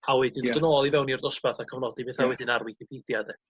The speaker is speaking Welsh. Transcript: A wedyn... Ia. ...do' nôl i fewn i'r dosbarth a cyfnodi betha wedyn ar wicipedia 'de.